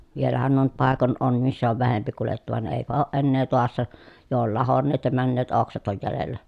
vielähän nuo nyt paikoin on missä on vähempi kuljettu vaan eipä ole enää taassa jo oli lahonneet ja menneet oksat on jäljellä